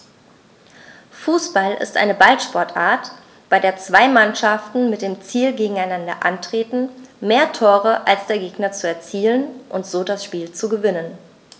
Fußball ist eine Ballsportart, bei der zwei Mannschaften mit dem Ziel gegeneinander antreten, mehr Tore als der Gegner zu erzielen und so das Spiel zu gewinnen.